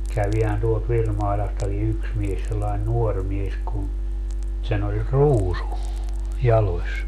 kävihän tuolta Virmailastakin yksi mies sellainen nuori mies kun sen oli ruusu jaloissa